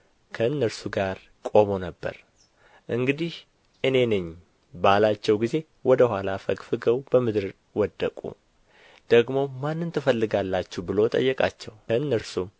ከእነርሱ ጋር ቆሞ ነበር እንግዲህ እኔ ነኝ ባላቸው ጊዜ ወደ ኋላ አፈግፍገው በምድር ወደቁ ደግሞም ማንን ትፈልጋላችሁ ብሎ ጠየቃቸው እነርሱም